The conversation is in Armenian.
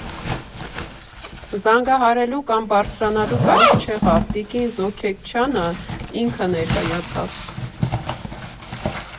Զանգահարելու կամ բարձրանալու կարիք չեղավ՝ տիկին Չոքեքչյանը ինքը ներկայացավ։